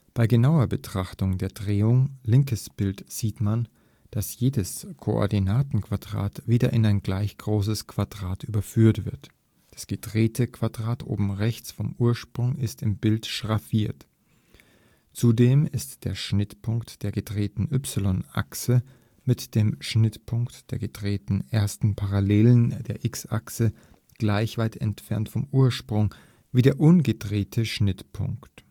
Bei genauerer Betrachtung der Drehung (linkes Bild) sieht man, dass jedes Koordinatenquadrat wieder in ein gleich großes Quadrat übergeführt wird (das gedrehte Quadrat oben rechts vom Ursprung ist im Bild schraffiert). Zudem ist der Schnittpunkt der gedrehten y-Achse (gelbe Linie) mit dem Schnittpunkt der gedrehten ersten Parallelen der x-Achse (hellbraune Linie) gleich weit entfernt vom Ursprung wie der ungedrehte Schnittpunkt